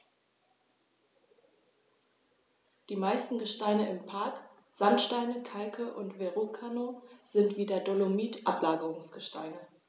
Die meisten Gesteine im Park – Sandsteine, Kalke und Verrucano – sind wie der Dolomit Ablagerungsgesteine.